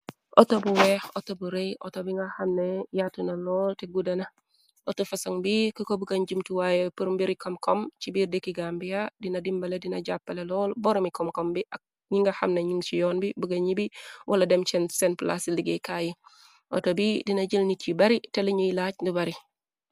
Auto bu weex, auto bu rëy, auto bi nga xamne yàatu na lool, te guddana, auto fësaŋ bi k ko bëgañ jumtuwaaye për mbiri kam kom, ci biir dekki gambia, dina dimbale, dina jàppale lool boromi koom-kom bi, ak ñi nga xamna ñin ci yoon bi bëgga ñi bi, wala dem ceen sen plas ci liggéey kaayi, auto bi dina jël nit yi bari te luñuy laaj du bari.